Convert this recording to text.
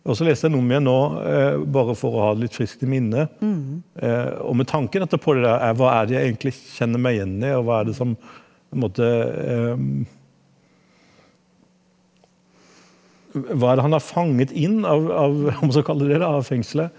og så leste jeg den om igjen nå bare for å ha det litt friskt i minne og med tanken at på det der, hva er det jeg egentlig kjenner meg igjen i og hva er det som på en måte hva er det han har fanget inn av av om man skal kalle det det av fengselet?